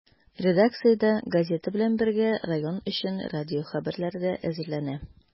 Редакциядә, газета белән бергә, район өчен радио хәбәрләре дә әзерләнә.